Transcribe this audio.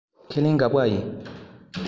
ཁས ལེན འགག པ ཡིན